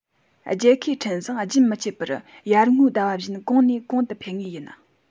རྒྱལ ཁའི འཕྲིན བཟང རྒྱུན མི འཆད པར ཡར ངོའི ཟླ བ བཞིན གོང ནས གོང དུ འཕེལ ངེས ཡིན